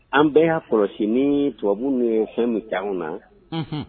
An bɛɛ y'a kɔlɔsi ni Tubabu ninnu ye fɛn minnu k'ɛ an na, unhun.